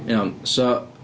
Iawn, so...